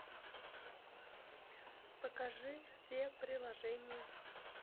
покажи все приложения